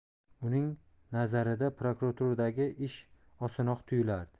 uning nazarida prokuraturadagi ish osonroq tuyulardi